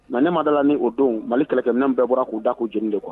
Mais ne man da la ni o don Mali kɛlɛkɛminɛ bɛɛ bɔra k'u da k'o